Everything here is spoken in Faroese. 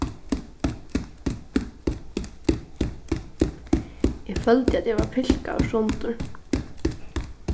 eg føldi at eg var pilkaður sundur